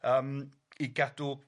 Yym i gadw